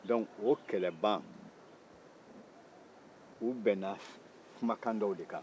dɔnku o kɛlɛ ban u bɛnna kuma kan dɔw de kan